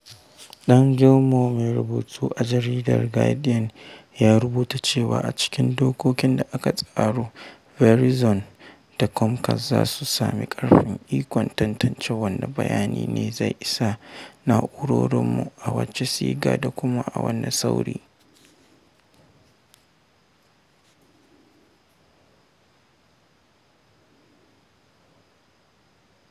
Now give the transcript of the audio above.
Dan Gillmor, mai rubutu a jaridar Guardian, ya rubuta cewa a cikin dokokin da aka tsaro, “Verizon da Comcast za su sami ƙarfin ikon tantance wane bayani ne zai isa na’urorinmu, a wace siga da kuma a wane sauri.”